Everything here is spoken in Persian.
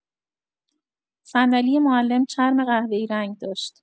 صندلی معلم چرم قهوه‌ای رنگ داشت.